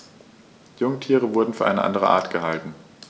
Jungtiere wurden für eine andere Art gehalten.